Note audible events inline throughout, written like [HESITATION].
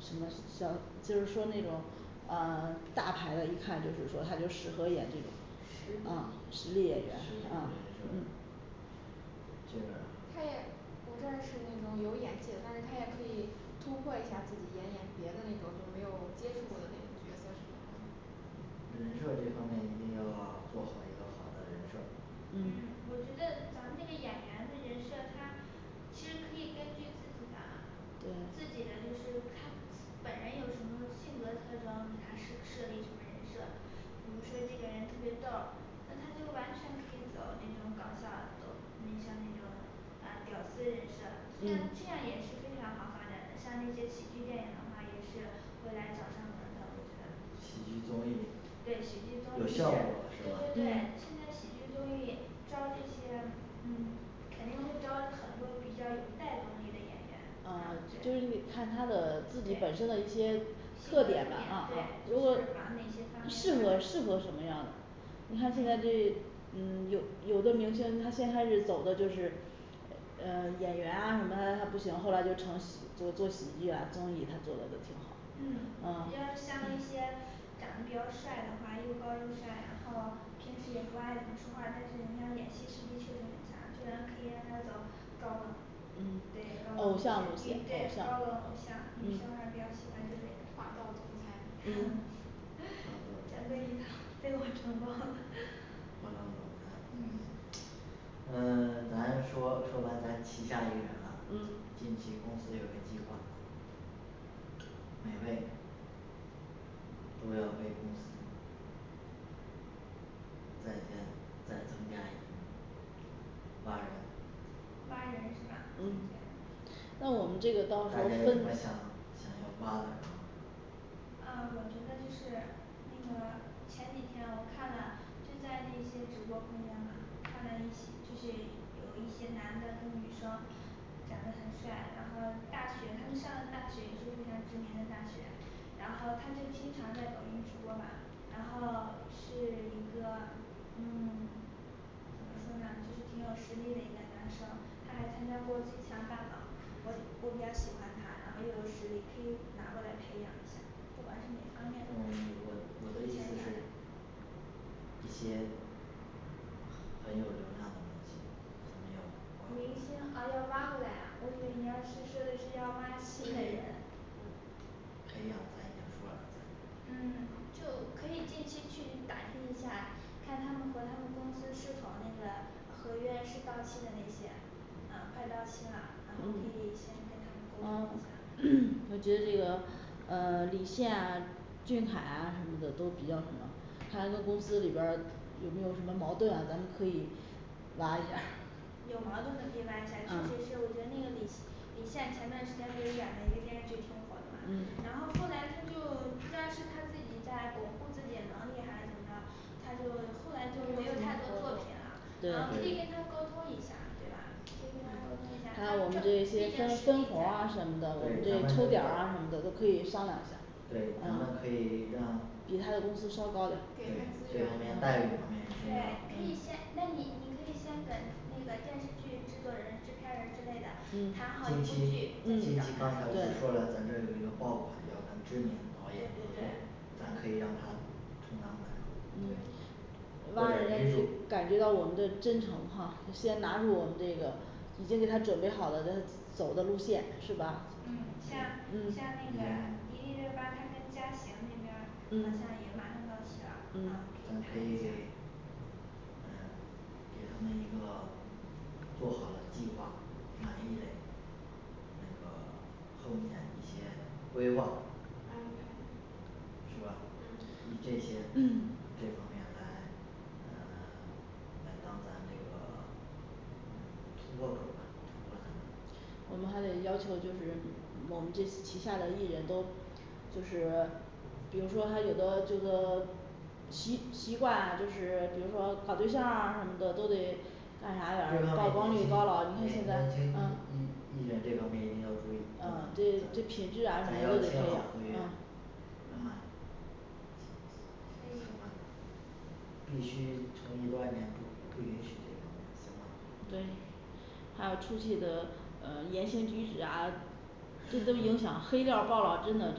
什么小就是说那种啊大牌的一看就是说他就适合演这种实啊力实力实力人演员设啊嗯这边儿他也 [CROSSTALK] 我这儿是那种有演技的，但是他也可以突破一下自己演演别的那种就没有接触过的那种角色试试看嗯人设这方面一定要做好一个好的人设嗯嗯我觉得咱们这个演员的人设他其实可以根据自己吧自对己的就是他自 [UNINTELLIGIBLE] 本人有什么性格特征给他设 [UNINTELLIGIBLE] 设立什么人设比如说这个人特别逗儿，那他就完全可以走那种搞笑的那像那种啊屌丝人设这样这嗯样也是非常好发展的像那些喜剧电影的话也是会来找上门儿的我觉得喜剧综艺对喜剧综有艺是效对果是对对吧嗯现在喜剧综艺招这些嗯肯定会招很多比较有带动力的演员啊啊就是对你得看他的自己本身对的一些性格特特点点吧啊啊对如就是果往那些不方适面合发适展合什么样的你看现在嗯这有嗯有的明星他先开始走的就是呃呃演员啊什么的他不行，后来就成喜做做喜剧啊综艺他做的都挺好嗯啊要是像那些长的比较帅的话，又高又帅，然后平时也不爱怎么说话但是人家演戏实力确实很强，就咱可以让他走高冷对高冷冷血女对高冷嗯偶像一些偶像嗯嗯偶像女生还是比较喜欢这类的霸道总裁 [NOISE] [NOISE] [CROSSTALK] 整个鱼塘被我承包了 [NOISE] 霸道总裁行嗯 [UNINTELLIGIBLE] 行呃咱说说完咱旗下艺人了，嗯近期公司有个计划，每位都要为公司再加再增加一名挖人挖人是嗯对那我们这个大到时家候有什分么想想要挖的人吗啊我觉得就是那个前几天我看了就在那些直播空间嘛看了就是有一些男的跟女生长得很帅，然后大学他们上了大学也是非常知名的大学，然后他就经常在抖音直播吧，然后 [SILENCE] 是一个嗯 [SILENCE] 怎么说呢就是挺有实力的一个男生，他还参嗯加过最强大脑我我嗯比较喜欢他，然后又有实力可以拿过来培养一下不管是哪方面嗯我我的意思是一些很有能量的明星。我们明星要挖过来啊要挖过来啊我以为你要是说的是要挖新的培人。养不培养咱已经说啦咱嗯就可以近期去打听一下，看他们和他们公司是否那个呃合约是到期的那些嗯快到期啦，然嗯后呢可以先跟他们沟啊通一下 [HESITATION] 我觉得这个呃李现啊俊凯啊什么的都比较什么，看他和公司里边儿有没有什么矛盾啊咱们可以挖一下儿 [NOISE] 有矛盾的可以挖一下儿，确实是啊我觉得那个李李现前段时间不是演了一个电视剧挺火的嘛嗯嗯然后后来他就不知道是他自己在巩固自己的能力还是怎么着 [CROSSTALK] 他就后来就没有太多作品啦然后对可以跟他对沟通一下对吧可以跟他沟通一下还他有我正们毕这竟些分实分力红啊在什对咱么的，我们这抽点儿啊什们这都么的都可以商量一下儿对，咱们可啊以让比他的公司稍高点给他对儿这资方面源待遇方对，你面可一定要以先那你你可以先跟那个电视剧制作人制片人之类的 [CROSSTALK] 嗯谈好一近期部近期剧再去嗯找刚才他我也不说对了，咱这有一个爆款要跟知名导演合作咱可以让他充当男主嗯或挖者人家人女主得感觉到我们的真诚哈，就先拿出我们这个已经给他准备好了的走的路线是吧嗯像像嗯那个迪丽热巴她跟嘉行那边儿好像嗯也马上到期了啊嗯可咱可以谈一下以 [SILENCE] 嗯给他们一个做好了计划，满意嘞那个后面一些规划安排是吧以嗯这些 [HESITATION] 这方面来嗯 [SILENCE] 来当咱这个嗯突破口儿吧突破他们我们还得要求就是我们这旗下的艺人都就是比如说他有的这个习习惯啊就是比如说搞对象啊什么的都得干这方面年轻年年轻艺艺啥点儿曝光率高了你看现在啊艺人这方面一定要注意不能啊咱对这品质啊什么咱要都得培签好合约养啊行吧行行嗯可行 [UNINTELLIGIBLE] 以行吧必须从艺多少年，不不允许这方面行吗对还有出去的呃言行举止啊，这都影响黑料儿爆了真的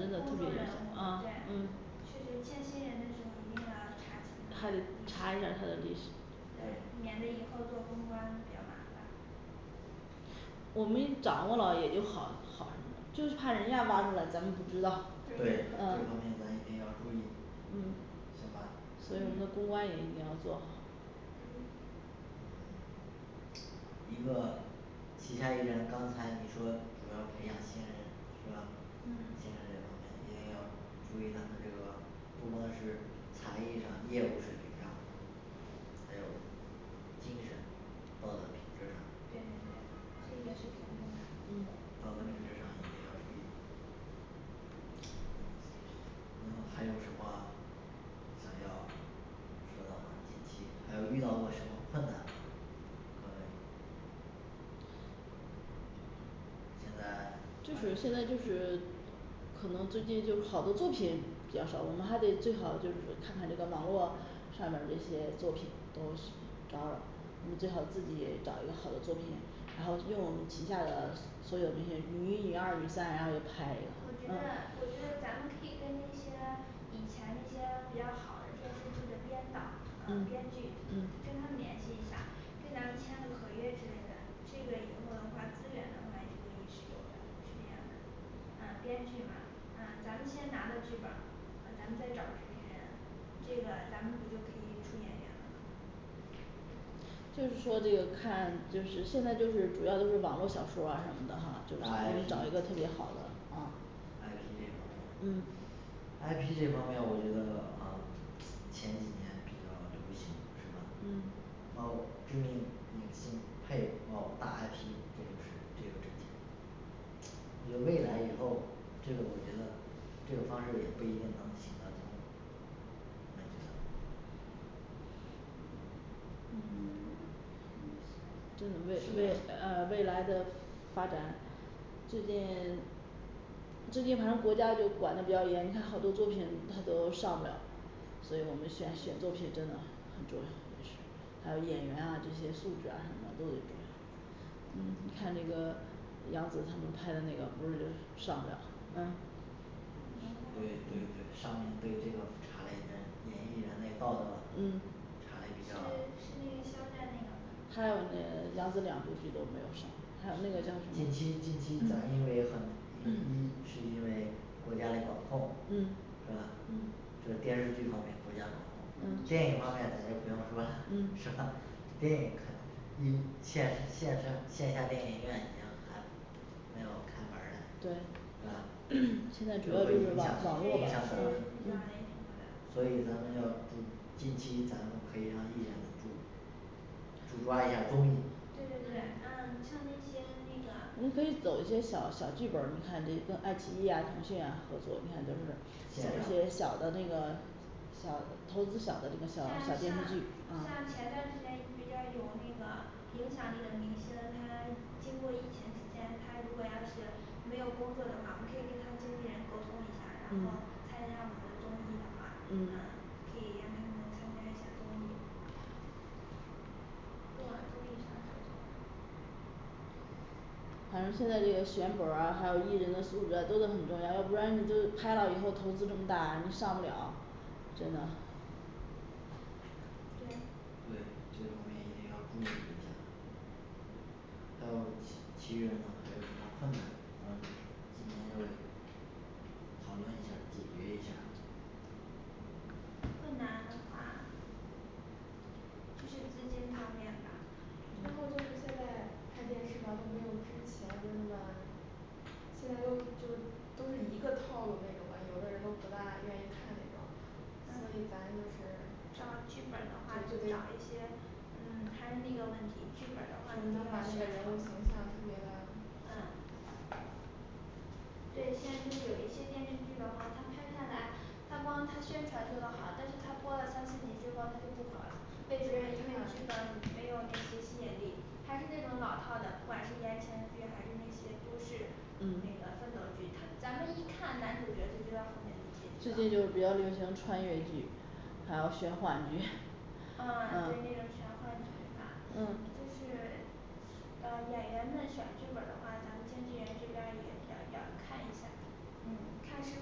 公众人的特物别对影响啊嗯确实签新人的时候一定要查清他还得查一下的历史他的历史对对免得以后做公关比较麻烦我们掌握了也就好好什么，就是怕人家挖出来咱们不知道对这呃方面咱一定要注意嗯行吧所以我们的嗯公关也一定要做好嗯嗯 [SILENCE] 一个旗下艺人，刚才你说主要培养新人是吧新嗯人这方面一定要注意他们这个不光是才艺上业务水平上，还有精神。道德品质上对对对这也是肯定嗯的道德品质上一定要注意嗯还有什么想要说的吗近期还有遇到过什么困难吗各位现在 [SILENCE] 就抓是现在紧就是 [SILENCE] 可能最近就好的作品比较少，我们还得最好就是看看这个网络上面儿这些作品都是找找 [CROSSTALK] 最好自己找一个好的作品，然后用我们旗下的所有那些女一女二女三，然后也拍我觉一个呃得我觉得咱们可以跟那些以前一些比较好的电视剧的编导嗯嗯编剧他 [UNINTELLIGIBLE] 嗯跟他们联系一下跟咱们签个合约之类的这个以后的话资源的话这个也是有的是这样的啊嗯 [SILENCE] 编剧嘛啊咱们先拿到剧本儿，啊咱们再找制片人。这个咱们不就可以出演员了吗就是说这个看就是现在就是主要都是网络小说儿啊什么的哈，就是我大们 I 找一个 P 特别好的啊嗯 I P这方面嗯 I P这方面我觉得啊前几年比较流行是吧嗯某知名影星配某大I P，这就是这就挣钱 [CROSSTALK] 我觉得未来以后，这个我觉得这种方式也不一定能行的通你们觉得呢嗯 [SILENCE] 这种未未是吧呃未来的发展，最近最近反正国家就管的比较严，你看好多作品它都上不了 [CROSSTALK] 所以我们选选作品真的很很重要也是，还有演员啊这些素质啊什么的都得重要嗯看那个杨紫他们拍的那个不是就上不了嗯我明白对就对对上面对这个查嘞那演艺人嘞道德嗯查是是那个嘞比较肖战那个嘛还有那杨紫两部剧都没有上，还有那个叫什么嗯近期嗯嗯近期咱因为很第嗯一是因为国家嘞管控嗯是吧嗯这电视剧方面国家管控，嗯嗯电影方面咱就不用说了是嗯吧 [NOISE] 这电影肯因线线上线下电影院一样还没有开门儿嘞对对吧？[HESITATION] 现这在主要就会是影网其实也其实是比较响网络嘛影那响什咱嗯么们的所以咱们要注，近期咱们可以让艺人主主抓一下综艺对对对，啊像那些你那个红可以毯走一些小小剧本儿，你看这跟爱奇艺啊腾讯啊合作你看都是线像一些上小的那个小投资小的这像像像前个小小电视剧啊段时间比较有那个影响力的明星他经过疫情期间，他如果要是没有工作的话，我们可以跟他经纪人沟通一下然后嗯参加我们的综艺的话，啊嗯可以让他们能参加一下综艺都往综艺上走走嘛反正现在这个选本儿啊还有艺人的素质啊都是很重要，要不然你就拍了以后投资这么大，你上不了真的对对这方面一定要注意一下还有其其余人呢还有什么困难咱们今天就给讨论一下儿解决一下儿困难的话，就是资金方面吧然后就是现在拍电视嘛都没有之前，那么现在都就都是一个套路那什么，有的人都不大愿意看那个所以咱嗯就是找剧本儿的话对就就找一得些嗯还是那个问题剧本儿就是的话一定能把要那个选人物形象好特别的啊对现在就有一些电视剧的话，它拍下来它光它宣传做得好，但是它播了三四集之后它就不火了因为什为么因为剧它本儿没有那些吸引力还是那种老套的，不管是言情剧还是那些都是都市那嗯个奋斗剧他咱们一看男主角就知道后面的结最近局就了比较流行穿越剧还有玄幻剧 [NOISE] 啊对那啊种玄幻剧是吧就是啊 [SILENCE] 呃演员们选剧本儿的话，咱们监制人这边儿也要要看一下，嗯看是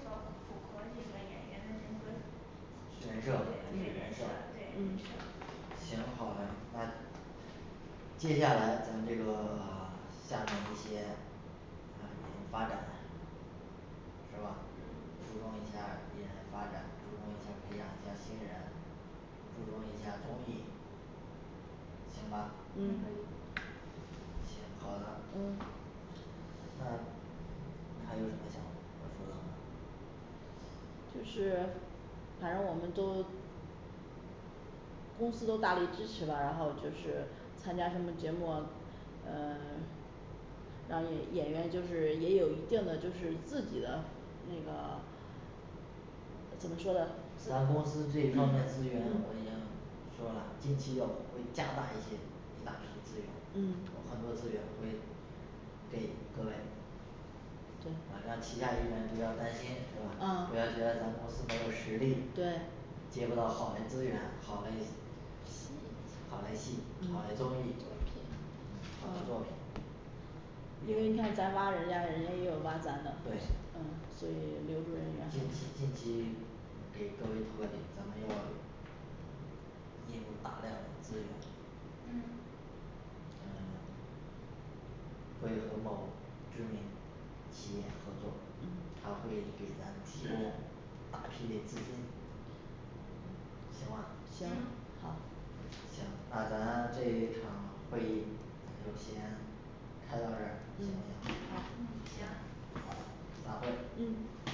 否符合那个演员的人格人设对还是对人人设设对人嗯设行好嘞那接下来咱这个 [SILENCE] 下面一些啊演员发展，是吧嗯注重一下艺人嘞发展，注重一下培养一下新人，注重一下综艺。行吧可以嗯行好的嗯那你还有什么想想说的吗就是反正我们都公司都大力支持了然后就是参加什么节目呃 [SILENCE] 让演演员就是也有一定的就是自己的那个怎么说的咱公司这一方面资源我已经说啦近期要会加大一些一大批资源嗯有很多资源会给各位啊对让旗下艺人不担心是吧不要啊觉得咱们公司没有实力对，接不到好的资源好嘞戏 [UNINTELLIGIBLE] 戏 [UNINTELLIGIBLE] 好嘞戏好嘞综作品艺好的作品因为你看咱挖人家人家也有挖咱的对呃所以留住人家还近是期近期嗯给各位透个底，咱们要嗯引入大量嘞资源嗯嗯会和某知名企业合作嗯他会给咱提供大批的资金行吧行行好行，那咱这场会议咱就先开到这儿，嗯行不行好嗯行好散会嗯